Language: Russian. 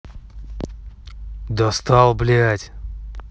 достал блядь